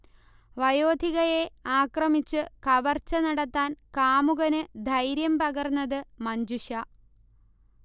വയോധികയെ ആക്രമിച്ചു കവർച്ച നടത്താൻ കാമുകനു ധൈര്യം പകർന്നതു മഞ്ജുഷ